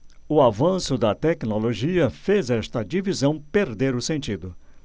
o avanço da tecnologia fez esta divisão perder o sentido